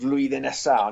flwyddyn nesa...